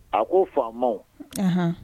A ko faamaw, anhan.